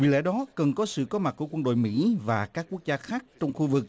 vì lẽ đó cần có sự có mặt của quân đội mỹ và các quốc gia khác trong khu vực